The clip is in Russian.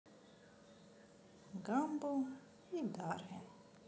гамбл и дарвин